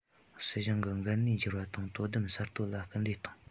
སྲིད གཞུང གི འགན ནུས བསྒྱུར བ དང དོ དམ གསར གཏོད ལ སྐུལ འདེད བཏང